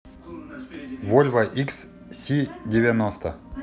вольво икс си девяносто